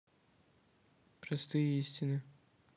простые истины